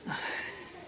Na.